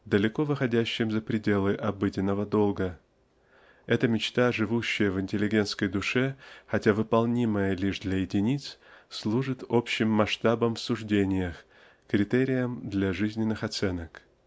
далеко выходящим за пределы обыденного долга. Эта мечта живущая в интеллигентской душе хотя выполнимая лишь для единиц служит общим масштабом в суждениях критерием для жизненных оценок.